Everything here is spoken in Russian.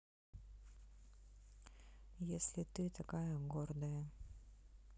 если ты такая гордая